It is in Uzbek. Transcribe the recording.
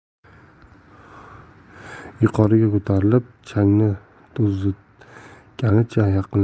yuqoriga ko'tarilib changni to'zitganicha